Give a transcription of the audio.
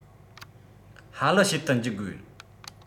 ཧ ལི བྱེད དུ འཇུག དགོས